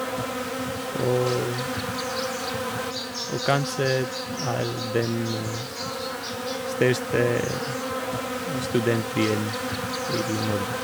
og Og kanskje dn er den største studentbyen i Norge.